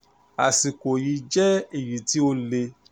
Àsìkò yìí jẹ́ èyí tí ó le.